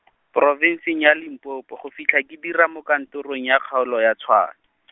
Porofenseng ya Limpopo, go fitlha ke dira mo kantorong ya kgaolo ya Tshwane .